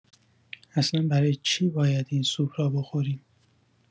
اصلا برای چی باید این سوپ را بخوریم؟